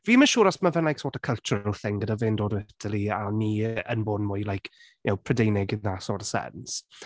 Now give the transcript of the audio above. Fi'm yn siŵr os mae fe’n like, sort of cultural thing gyda fe’n dod o Italy a ni yn bod yn mwy like, you know, Prydeinig in that sort of sense.